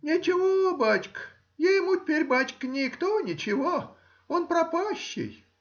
— Ничего, бачка; ему теперь, бачка, никто ничего,— он пропащий.